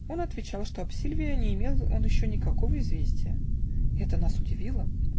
Он отвечал, что об Сильвио не имел он еще никакого известия. Это нас удивило.